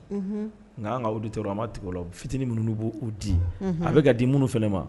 Unhun ŋa anw ŋa auditeur u an ma tig'u la o fitinin minnu n'u b'o o di unhun a bɛ ka di minnu fɛnɛ ma